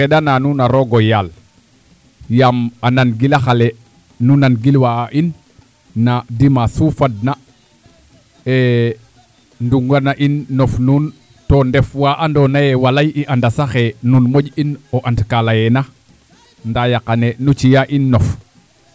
nqeɗana nuun a rooga yaal yaam a nan gilax ale nu nangilwa in na Dimanche fu fadna ee ndungana in nof nuun to ndef waa andoona yee waalay i anda saxe nuun moƴ'in o and kaa layeena ndaa yaqanee nu ci'aa in nof